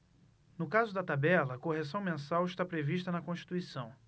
no caso da tabela a correção mensal está prevista na constituição